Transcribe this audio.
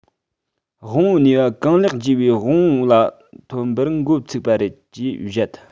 དབང པོའི ནུས པ གང ལེགས རྒྱས པའི དབང པོ ལ ཐོན པར འགོ ཚུགས པ རེད ཅེས བཞེད